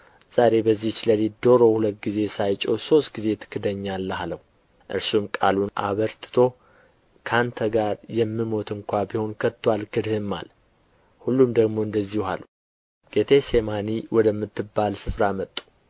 ዛሬ በዚች ሌሊት ዶሮ ሁለት ጊዜ ሳይጮኽ ሦስት ጊዜ ትክደኛለህ አለው እርሱም ቃሉን አበርትቶ ከአንተ ጋር የምሞት እንኳ ቢሆን ከቶ አልክድህም አለ ሁሉም ደግሞ እንደዚሁ አሉ ጌቴሴማኒ ወደምትባልም ስፍራ መጡ